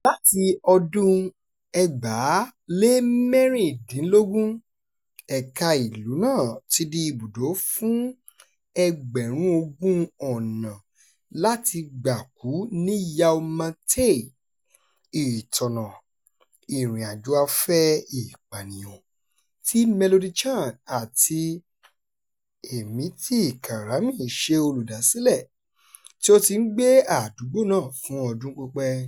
Láti ọdún-un 2016, ẹ̀ka- ìlú náà ti di ibùdó fún "20,000 ọ̀nà láti gbà kú ní Yau Ma Tei", ìtọ́nà "ìrìnàjò afẹ́ ìpànìyàn" tí Melody Chan àti èmitìkarami ṣe olùdásílẹ̀, tí ó ti ń gbé àdúgbò náà fún ọdún púpọ̀.